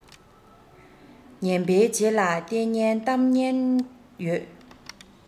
ངན པའི རྗེས ལ ལྟས ངན གཏམ ངན ཡོད